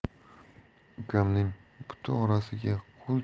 ukamning buti orasiga